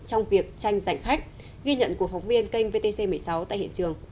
trong việc tranh giành khách ghi nhận của phóng viên kênh vê tê xê mười sáu tại hiện trường